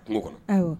Kungo kɔnɔ